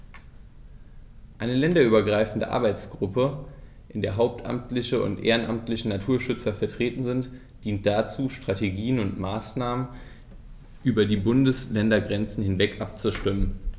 Eine länderübergreifende Arbeitsgruppe, in der hauptamtliche und ehrenamtliche Naturschützer vertreten sind, dient dazu, Strategien und Maßnahmen über die Bundesländergrenzen hinweg abzustimmen.